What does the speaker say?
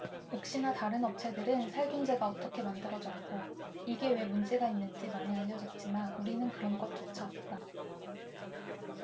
옥시나 다른 업체들은 살균제가 어떻게 만들어졌고 이게 왜 문제가 있는지 많이 알려졌지만 우리는 그런 것조차 없다